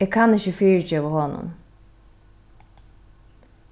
eg kann ikki fyrigeva honum